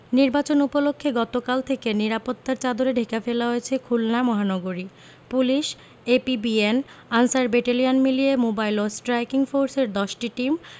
নির্বাচন উপলক্ষে গতকাল থেকে নিরাপত্তার চাদরে ঢেকে ফেলা হয়েছে খুলনা মহানগরী পুলিশ এপিবিএন আনসার ব্যাটালিয়ন মিলিয়ে মোবাইল ও স্ট্রাইকিং ফোর্সের ১০টি টিম